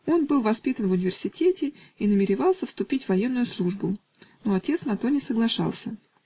Он был воспитан в *** университете и намеревался вступить в военную службу, но отец на то не соглашался.